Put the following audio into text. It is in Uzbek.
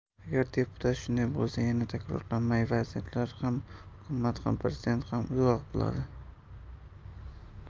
agar deputat shunday bo'lsa yana takrorlayman vazirlar ham hukumat ham parlament ham uyg'oq bo'ladi